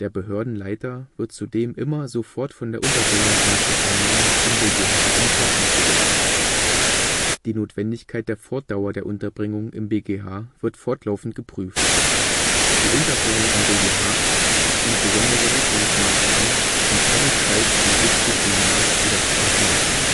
Behördenleiter wird zudem immer sofort von der Unterbringung eines Gefangenen im BgH in Kenntnis gesetzt. Die Notwendigkeit der Fortdauer der Unterbringung im BgH wird fortlaufend geprüft. Die Unterbringung im BgH ist eine besondere Sicherungsmaßnahme und keinesfalls eine Disziplinar - oder Strafmaßnahme